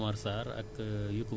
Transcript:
même fii ci région am na ñu am na ñu fi